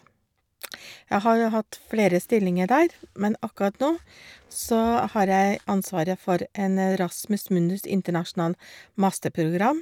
Jeg har hatt flere stillinger der, men akkurat nå så har jeg ansvaret for en Erasmus Mundus internasjonal masterprogram.